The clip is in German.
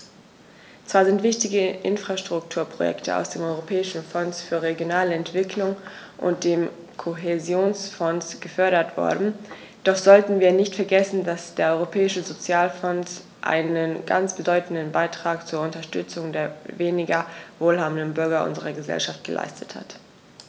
Zwar sind wichtige Infrastrukturprojekte aus dem Europäischen Fonds für regionale Entwicklung und dem Kohäsionsfonds gefördert worden, doch sollten wir nicht vergessen, dass der Europäische Sozialfonds einen ganz bedeutenden Beitrag zur Unterstützung der weniger wohlhabenden Bürger unserer Gesellschaft geleistet hat.